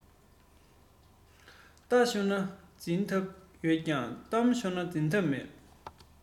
རྟ ཤོར ན འཛིན ཐབས ཡོད ཀྱང གཏམ ཤོར ན འཛིན ཐབས མེད